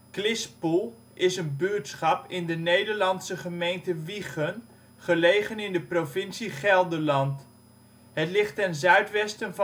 Klispoel is een buurtschap in de Nederlandse gemeente Wijchen, gelegen in de provincie Gelderland. Het ligt ten zuidwesten